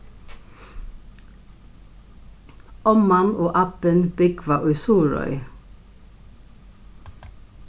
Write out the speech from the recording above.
omman og abbin búgva í suðuroy